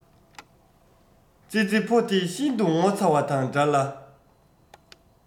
ཙི ཙི ཕོ དེ ཤིན ཏུ ངོ ཚ བ དང འདྲ ལ